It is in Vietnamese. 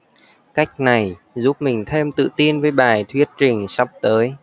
cách này giúp mình thêm tự tin với bài thuyết trình sắp tới